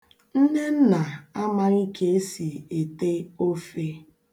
Nnenna amaghị ka esi ete ofe.